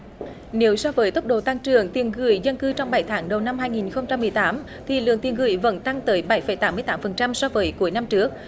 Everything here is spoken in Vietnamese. nếu so với tốc độ tăng trưởng tiền gửi dân cư trong bảy tháng đầu năm hai nghìn không trăm mười tám thì lượng tiền gửi vẫn tăng tới bảy phẩy tám mươi tám phần trăm so với cuối năm trước